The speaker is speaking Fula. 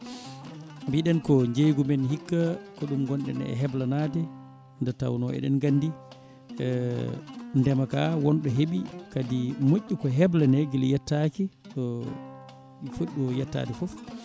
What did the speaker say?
mbiɗen ko jeeygu men hikka ko ɗum gonɗen e heblanade nde tawno eɗen gandi ndeema ka wonɗo heeɓi kadi moƴƴi ko heblane guila yettaki ɗo footi ɗo yettade foof